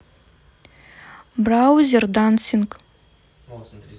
браузер dancing